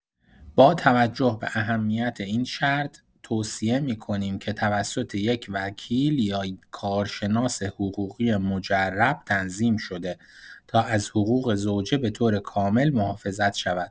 با توجه به اهمیت این شرط، توصیه می‌کنیم که توسط یک وکیل یا کارشناس حقوقی مجرب تنظیم شده تا از حقوق زوجه به‌طور کامل محافظت شود.